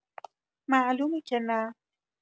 معلومه که نه.